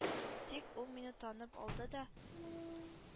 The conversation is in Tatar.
Тик... ул мине танып алды да